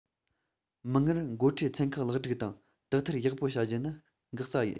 མིག སྔར འགོ ཁྲིད ཚན ཁག ལེགས སྒྲིག དང དག ཐེར ཡག པོ བྱ རྒྱུ ནི འགག རྩ ཡིན